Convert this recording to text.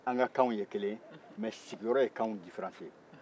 an ka kanw ye kelen ye mɛ sigiyɔrɔ ye kanw diferansiye